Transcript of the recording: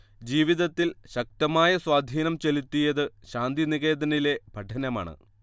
ജീവിതത്തിൽ ശക്തമായ സ്വാധീനം ചെലുത്തിയത് ശാന്തിനികേതനിലെ പഠനമാണ്